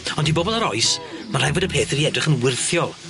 Ond i bobol yr oes ma' rhaid bod y peth wedi edrych yn wyrthiol.